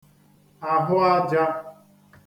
àhụajā